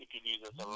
oui